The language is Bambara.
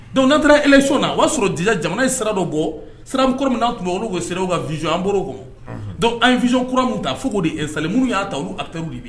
Dɔnku nat y na o y'a sɔrɔ di jamana in sira dɔ bɔ sira kɔrɔ min' tun bɛ olu bɛ se u ka vzan bolo kɔnɔ an vz kura min ta fo'o de ye saliuru y'a ta oluw de bi